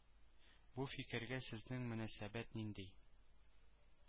Бу фикергә сезнең мөнәсәбәт нинди?